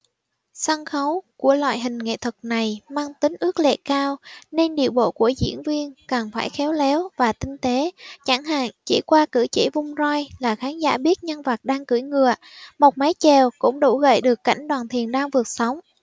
sân khấu của loại hình nghệ thuật này mang tính ước lệ cao nên điệu bộ của diễn viên cần phải khéo léo và tinh tế chẳng hạn chỉ qua cử chỉ vung roi là khán giả biết nhân vật đang cưỡi ngựa một mái chèo cũng đủ gợi được cảnh đoàn thuyền đang vượt sóng